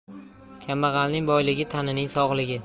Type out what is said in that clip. kambag'alning boyligi tanining sog'ligi